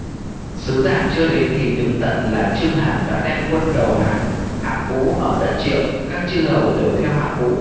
sứ giả chưa đến thì tướng tần là chương hàm đã đem quân đầu hàng hạng vũ ở đất triệu các chư hầu đều theo hạng vũ